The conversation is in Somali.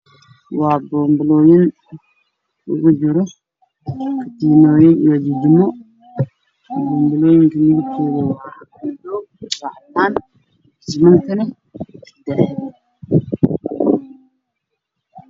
Waa boonbalooyin waxaa kujiro katiimooyin iyo jijimo, boonbalooyinku waa cadaan, katiinka waa dahabi.